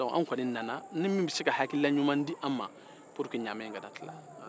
anw kɔni nana ni min bɛ se ka hakilina ɲuman di an ma pour que ɲaamɛ in kana tila